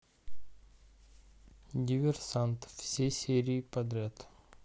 диверсант все серии подряд